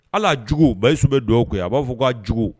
Ala juguya bayisu bɛ dugawu kɛ a b'a fɔ ka jugu